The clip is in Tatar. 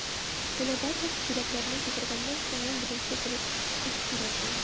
Менә барлык чикләрне җимергәннән соң, мин беренче булып кычкырырмын.